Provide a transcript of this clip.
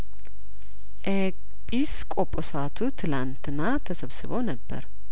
ኤጲስ ቆጶሳቱ ትላንትና ተሰብስበው ነበር